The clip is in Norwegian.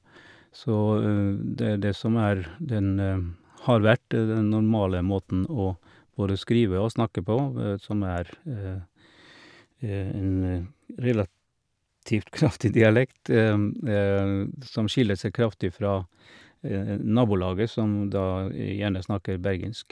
Så det er det som er den har vært den normale måten å både skrive og snakke på, som er en relativt kraftig dialekt, som skiller seg kraftig fra nabolaget, som da gjerne snakker bergensk.